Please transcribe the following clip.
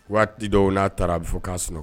Waati dɔw n'a taara a bɛ fɔ k'a sun